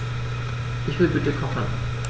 Ich will bitte kochen.